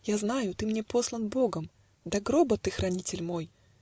Я знаю, ты мне послан богом, До гроба ты хранитель мой.